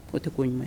O tɛ ko ɲuman ye